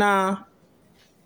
Na